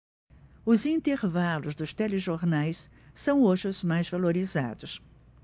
os intervalos dos telejornais são hoje os mais valorizados